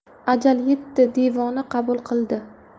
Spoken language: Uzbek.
ajal yetdi devona qabul qildi